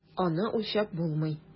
Аны үлчәп булмый.